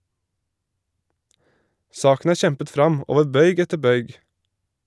Saken er kjempet fram over bøyg etter bøyg.